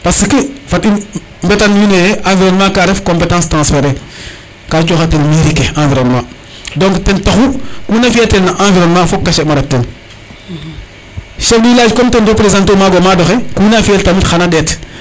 parce que fat i mbetan wiin we ye environement ka ref competence tranferet ka coxa tel mairie ke environnement donc ten taxu kuna fiya tel no environnement fok cacher uma ref ten chef du village comme representer u maga o mado xe kuna fiyel tamit xana ndeet